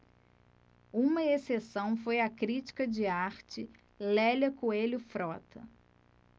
uma exceção foi a crítica de arte lélia coelho frota